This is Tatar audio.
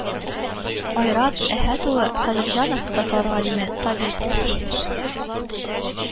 Айрат Әхәт улы Фазылҗанов татар галиме, табиб